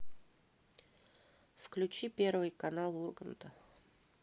включи первый канал урганта